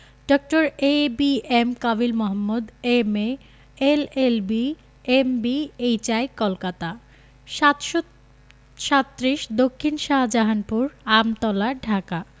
ডাঃ A B M Kabil Mohammad M A L L B M B H I Kolkata ৭৩৭ দক্ষিন শাহজাহানপুর আমতলা ঢাকা